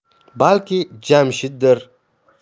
balki jamshiddir